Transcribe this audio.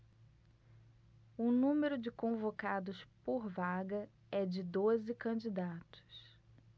o número de convocados por vaga é de doze candidatos